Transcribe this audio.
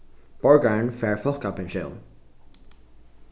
borgarin fær fólkapensjón